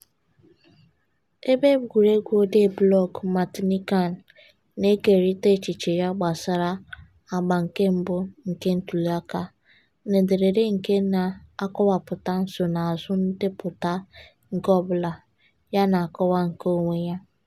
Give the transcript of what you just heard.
Ebe egwuruegwu odee blọọgụ Martinican [moi] na-ekerịta echiche ya gbasara àgbà nke mbụ nke ntuliaka, n'ederede nke na-akọwapụta nsonaazụ ndepụta nke ọbụla, ya na nkọwa nkeonwe ya.